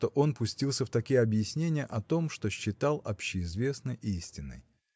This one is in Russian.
что он пустился в такие объяснения о том что считал общеизвестной истиной.